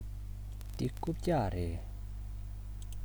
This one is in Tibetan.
འདི རྐུབ བཀྱག རེད